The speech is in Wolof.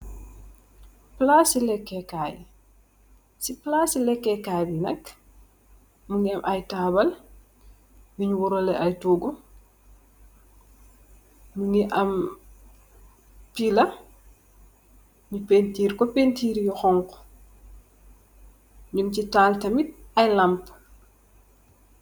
Plase Leke kaye se plase leke kaye be nak muge am aye table bun werlale aye toogu muge am pillar nu pinterr ku pinterr ye hauhu nugse tal tamin aye lampu.